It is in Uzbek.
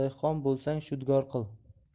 dehqon bo'lsang shudgor qil